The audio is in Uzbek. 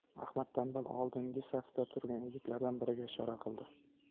ahmad tanbal oldingi safda turgan yigitlaridan biriga ishora qildi